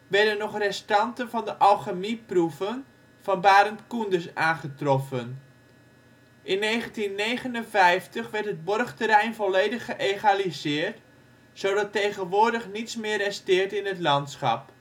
werden nog restanten van de alchemieproeven van Barend Coenders aangetroffen. In 1959 werd het borgterrein volledig geëgaliseerd, zodat tegenwoordig niets meer resteert in het landschap